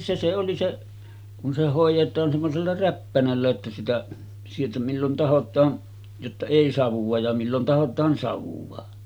se se oli se kun se hoidetaan semmoisella räppänällä että sitä sieltä milloin tahdotaan jotta ei savua ja milloin tahdotaan savua